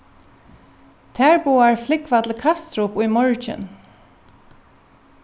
tær báðar flúgva til kastrup í morgin